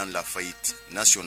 en la faillite natinale